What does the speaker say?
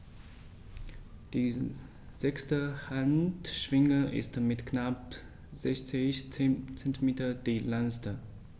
Die sechste Handschwinge ist mit knapp 60 cm die längste.